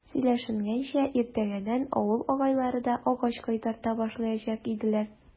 Сөйләшенгәнчә, иртәгәдән авыл агайлары да агач кайтарта башлаячак иделәр.